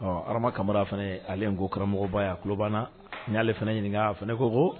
Ɔ ha kamaruya fana ale ko karamɔgɔba' a ku banna n y'ale fana ɲininka fana ko